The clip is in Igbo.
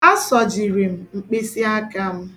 A sọjiri m mkpịsịaka m